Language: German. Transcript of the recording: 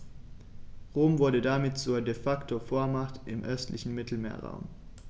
Rom wurde damit zur ‚De-Facto-Vormacht‘ im östlichen Mittelmeerraum.